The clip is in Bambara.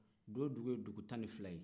do dugu ye dugu tan ni fila ye